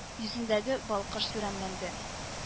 Йөзендәге балкыш сүрәнләнде